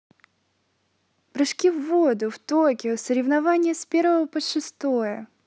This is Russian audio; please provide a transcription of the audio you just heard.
прыжки в воду в токио соревнования с первого по шестое